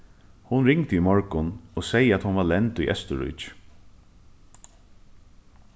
hon ringdi í morgun og segði at hon var lend í eysturríki